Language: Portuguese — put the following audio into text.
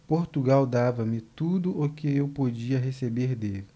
portugal dava-me tudo o que eu podia receber dele